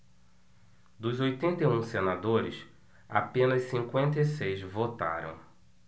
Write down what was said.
dos oitenta e um senadores apenas cinquenta e seis votaram